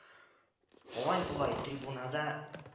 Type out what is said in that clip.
Алай-болай трибунада